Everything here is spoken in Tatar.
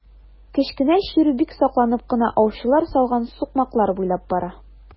Кечкенә чирү бик сакланып кына аучылар салган сукмаклар буйлап бара.